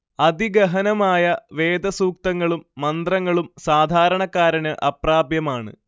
അതിഗഹനമായ വേദസൂക്തങ്ങളും മന്ത്രങ്ങളും സാധാരണക്കാരന് അപ്രാപ്യമാണ്